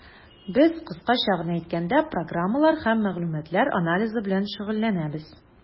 Без, кыскача гына әйткәндә, программалар һәм мәгълүматлар анализы белән шөгыльләнәбез.